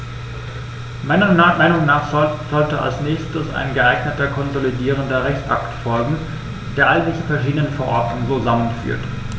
Meiner Meinung nach sollte als nächstes ein geeigneter konsolidierender Rechtsakt folgen, der all diese verschiedenen Verordnungen zusammenführt.